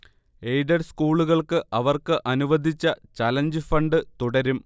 aided സ്കൂളുകൾക്ക് അവർക്ക് അനുവദിച്ച ചലഞ്ച് ഫണ്ട് തുടരും